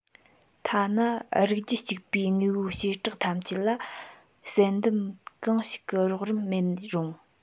ཐ ན རིགས རྒྱུད གཅིག པའི དངོས པོའི བྱེ བྲག ཐམས ཅད ལ བསལ འདེམས གང ཞིག གི རོགས རམ མེད རུང